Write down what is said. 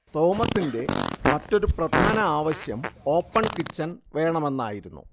തോമസിന്റെ മറ്റൊരു പ്രധാന ആവശ്യം ഓപ്പൺ കിച്ചൺ വേണമെന്നായിരുന്നു